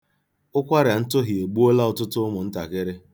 Ụkwarantụhị egbuola ọtụtụ ụmụntakịrị.